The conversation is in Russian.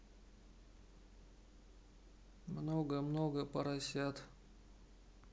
много много поросят